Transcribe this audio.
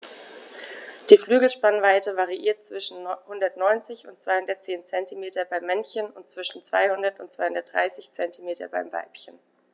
Die Flügelspannweite variiert zwischen 190 und 210 cm beim Männchen und zwischen 200 und 230 cm beim Weibchen.